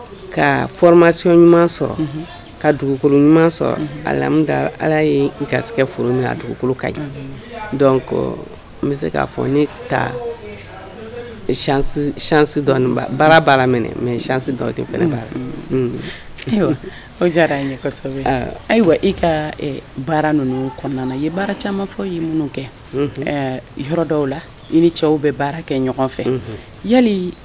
Ala n se k'a fɔ taa baara baara minɛ mɛsi diyara ɲɛ ayiwa i ka baara ninnu kɔnɔna i ye baara caman fɔ ye minnu kɛ yɔrɔ dɔw la i ni cɛw bɛ baara kɛ ɲɔgɔn fɛ